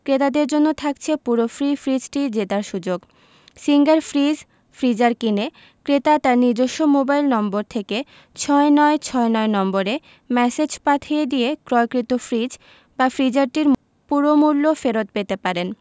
ক্রেতাদের জন্য থাকছে পুরো ফ্রি ফ্রিজটি জেতার সুযোগ সিঙ্গার ফ্রিজ ফ্রিজার কিনে ক্রেতা তার নিজস্ব মোবাইল নম্বর থেকে ৬৯৬৯ নম্বরে ম্যাসেজ পাঠিয়ে দিয়ে ক্রয়কৃত ফ্রিজ বা ফ্রিজারটির পুরো মূল্য ফেরত পেতে পারেন